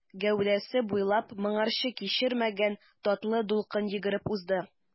Гәүдәсе буйлап моңарчы кичермәгән татлы дулкын йөгереп узды.